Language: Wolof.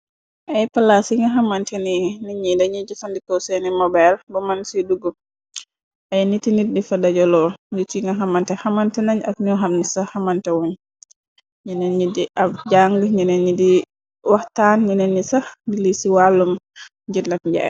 Ay palaas yi nga xamante ni nit ñi dañuy jëfëndikoo seeni mobaayil ba mën ci duggu. Ay niti nit, di fa dajoloo Nit yi nga xam ne xamante ñange ak ñu xamante wut. Ñenen yi, di jaanga ,ñenen ñi di waxtaan ñeneen ñi sax di si def wàllum jëndë ak jaay.